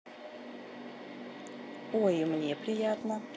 о и мне приятно